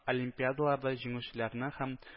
Олимпиадаларда җиңүчеләрне һәм